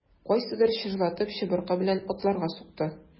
Кайсыдыр чыжлатып чыбыркы белән атларга сукты.